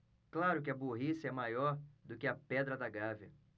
claro que a burrice é maior do que a pedra da gávea